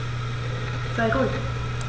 Sei ruhig.